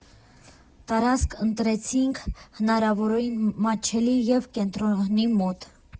Տարածքն ընտրեցինք հնարավորինս մատչելի և կենտրոնին մոտ։